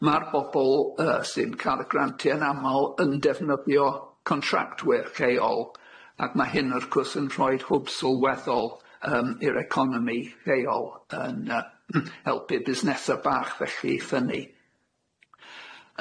Ma'r bobol yy sy'n ca'l y grantie yn amal yn defnyddio contractwyr lleol ac ma' hyn wrth gwrs yn rhoid hwb sylweddol yym i'r economi lleol yn yy m- helpu busnesa' bach felly i ffynnu.